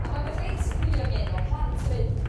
a mae'n beth reit hwyliog i neud efo plant hefyd.